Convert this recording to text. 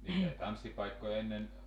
eikä tanssipaikkoja ennen